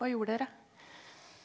hva gjorde dere?